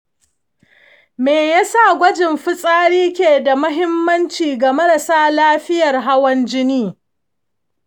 me ya sa gwajin fitsari ke da muhimmanci ga marasa lafiyar hawan jini?